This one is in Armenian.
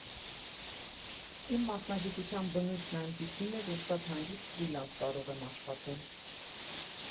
Իմ մասնագիտության բնույթն այնպիսին է, որ շատ հանգիստ ֆրիլանս կարող եմ աշխատել։